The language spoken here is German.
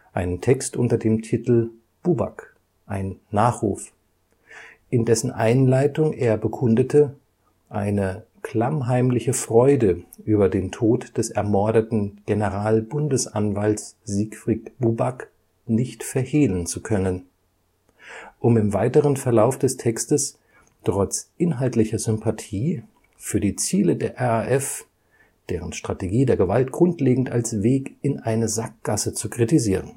einen Text unter dem Titel „ Buback – ein Nachruf “, in dessen Einleitung er bekundete, eine klammheimliche Freude über den Tod des ermordeten Generalbundesanwalts Siegfried Buback nicht verhehlen zu können, um im weiteren Verlauf des Textes trotz inhaltlicher Sympathie für die Ziele der RAF deren Strategie der Gewalt grundlegend als Weg in eine Sackgasse zu kritisieren